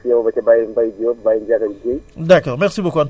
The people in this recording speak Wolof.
lu dalee ci yow ba ci Baye Mbaye diop baye Ndiaga Guèye